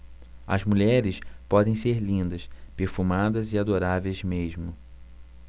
as mulheres podem ser lindas perfumadas e adoráveis mesmo